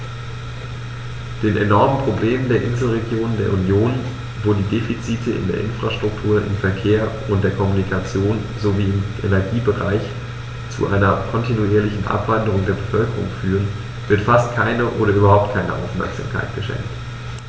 Den enormen Problemen der Inselregionen der Union, wo die Defizite in der Infrastruktur, im Verkehr, in der Kommunikation sowie im Energiebereich zu einer kontinuierlichen Abwanderung der Bevölkerung führen, wird fast keine oder überhaupt keine Aufmerksamkeit geschenkt.